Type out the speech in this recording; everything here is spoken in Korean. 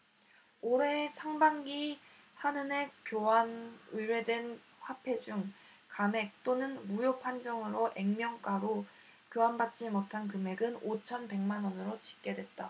올해 상반기 한은에 교환 의뢰된 화폐 중 감액 또는 무효판정으로 액면가로 교환받지 못한 금액은 오천 백 만원으로 집계됐다